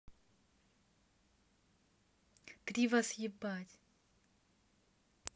три вас ебать